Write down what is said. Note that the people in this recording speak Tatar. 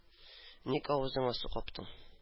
Ник авызыңа су каптың?